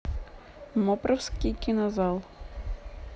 мопровский кинозал